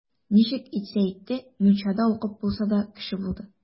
Ничек итсә итте, мунчада укып булса да, кеше булды.